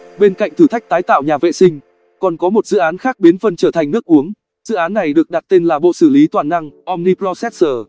bên cạnh thử thách tái tạo nhà vệ sinh còn có một dự án khác biến phân trở thành nước uống dự án này được đặt tên là bộ xử lý toàn năng